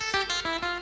Sa